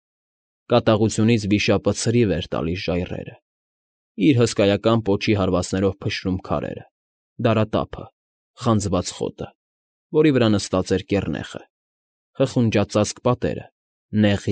Կատաղությունից վիշապը ցրիվ էր տալիս ժայռերը, իր հսկայական պոչի հարվածներով փշրում էր քարերը, դարատափը, խանձված խոտը, որի վրա նստած էր կեռնեխը, խխունջածածկ պատերը, նեղ։